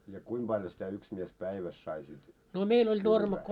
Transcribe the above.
ja kuinka paljon sitä yksi mies päivässä sai sitten kylvää